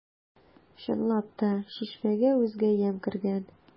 Чынлап та, чишмәгә үзгә ямь кергән.